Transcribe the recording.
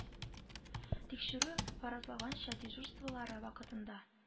Тикшерү фаразлаганча дежурстволары вакытында